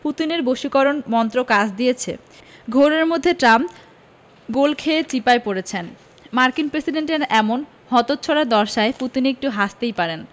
পুতিনের বশীকরণ মন্ত্র কাজ দিয়েছে ঘোরের মধ্যে ট্রাম্প গোল খেয়ে চিপায় পড়েছেন মার্কিন প্রেসিডেন্টের এমন হতচ্ছাড়া দশায় পুতিন একটু হাসতেই পারেন